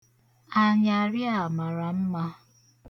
Anyarị a mara mma.